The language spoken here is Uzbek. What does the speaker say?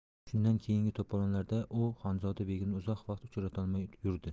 shundan keyingi to'polonlarda u xonzoda begimni uzoq vaqt uchratolmay yurdi